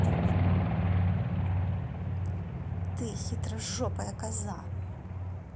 ты хитрожопая коза